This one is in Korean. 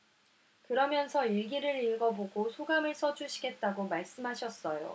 그러면서 일기를 읽어 보고 소감을 써 주시겠다고 말씀하셨어요